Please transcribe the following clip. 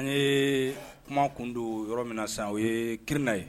An ye kuma kun don yɔrɔ min na sisaan o ye Kirina ye.